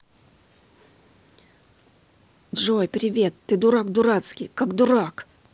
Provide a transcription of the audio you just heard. джой привет ты дурак дурацкий как дурак